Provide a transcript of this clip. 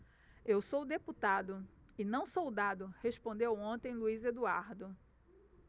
eu sou deputado e não soldado respondeu ontem luís eduardo